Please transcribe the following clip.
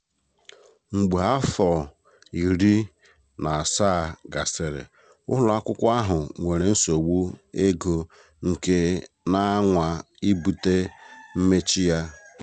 Mgbe afọ 17 gasịrị, ụlọakwụkwọ ahụ nwere nsogbu ego nke na-anwa ibute mmechi ya.